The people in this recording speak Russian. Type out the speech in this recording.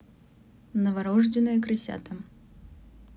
новорожденные крысята